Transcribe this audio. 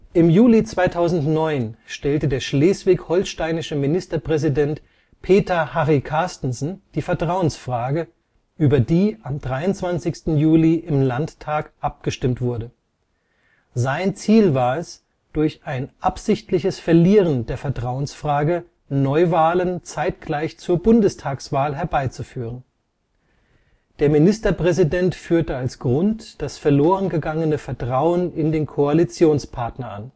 Im Juli 2009 stellte der schleswig-holsteinische Ministerpräsident Peter Harry Carstensen die Vertrauensfrage, über die am 23. Juli im Landtag abgestimmt wurde. Sein Ziel war es, durch ein absichtliches Verlieren der Vertrauensfrage Neuwahlen zeitgleich zur Bundestagswahl herbeizuführen. Der Ministerpräsident führte als Grund das verlorengegangene Vertrauen in den Koalitionspartner